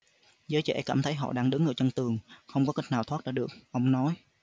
giới trẻ cảm thấy họ đang đứng ở chân tường không có cách nào thoát ra được ông nói